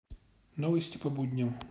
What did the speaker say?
новости по будням